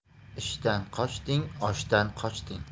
ishdan qochding oshdan qochding